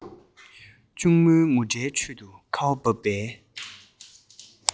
གཅུང མོའི ངུ སྒྲའི ཁྲོད དུ ཁ བ བབས པའི